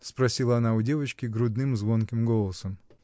— спросила она у девочки грудным, звонким голосом.